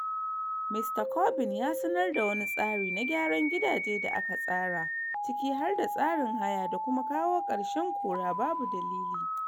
Mista Corbyn ya sanar da wani tsari na gyaran gidaje da aka tsara, ciki har da tsarin haya da kuma kawo ƙarshen “kora babu dalili”